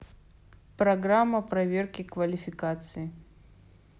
программа проверки квалификации